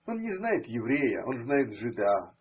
Он не знает еврея – он знает жида